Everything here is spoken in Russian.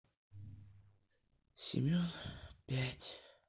семен пять